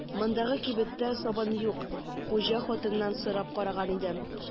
Мондагы кибеттә сабын юк, хуҗа хатыннан сорап караган идем.